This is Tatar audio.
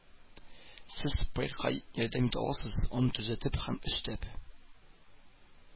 Сез проектка ярдәм итә аласыз, аны төзәтеп һәм өстәп